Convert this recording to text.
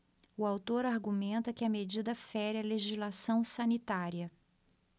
o autor argumenta que a medida fere a legislação sanitária